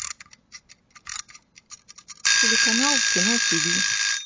телеканал кино тв